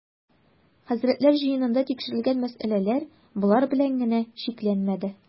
Хәзрәтләр җыенында тикшерел-гән мәсьәләләр болар белән генә чикләнмәде.